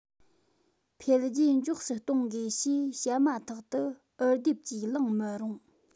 འཕེལ རྒྱས མགྱོགས སུ གཏོང དགོས ཞེས བཤད མ ཐག ཏུ འུར སྡེབ ཀྱིས ལངས མི རུང